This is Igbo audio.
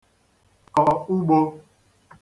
-kò ugbō